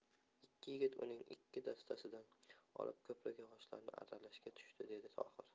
ikki yigit uning ikki dastasidan olib ko'prik yog'ochlarini arralashga tushishdi dedi tohir